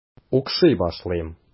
Укшый башлыйм.